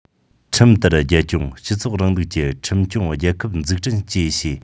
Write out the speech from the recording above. ཁྲིམས ལྟར རྒྱལ སྐྱོང སྤྱི ཚོགས རིང ལུགས ཀྱི ཁྲིམས སྐྱོང རྒྱལ ཁབ འཛུགས སྐྲུན བཅས བྱས